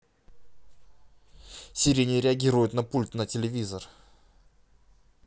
siri не реагирует пульт на телевизор